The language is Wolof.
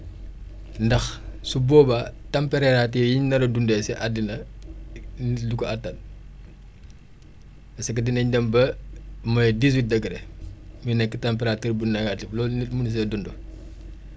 ndax su boobaa température yiñ nar a dundee si addina nit yi du ko )ttan parce que dinañ dem ba moins dix huit degré muy nekk température bu négative loolu nit munu see dund